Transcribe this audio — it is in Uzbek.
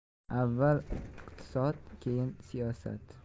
avval iqtisod keyin siyosat